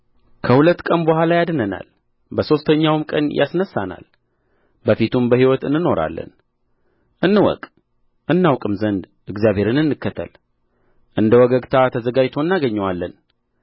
ከሁለት ቀን በኋላ ያድነናል በሦስተኛውም ቀን ያስነሣናል በፊቱም በሕይወት እንኖራለን እንወቅ እናውቀውም ዘንድ እግዚአብሔርን እንከተል እንደ ወገግታም ተዘጋጅቶ እናገኘዋለን